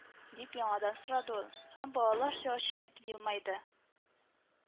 — дип яңадан сорады ул һәм балаларча ачык итеп елмайды